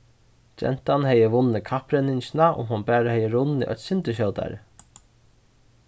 gentan hevði vunnið kapprenningina um hon bara hevði runnið eitt sindur skjótari